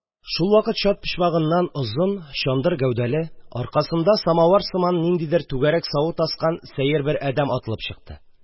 Шул вакыт чат почмагыннан озын, чандыр гәүдәле, аркасында самавыр сыман ниндидер түгәрәк савыт аскан сәер бер әдәм атылып чыкты.